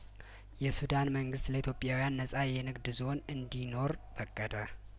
የሱዳን መንግስት ለኢትዮጵያውያን ነጻ የንግድ ዞን እንዲኖር ፈቀደ